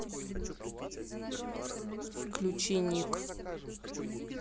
включи ник